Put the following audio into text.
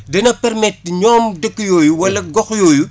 dina permettre ñoom dëkk yooyu wala gox yooyu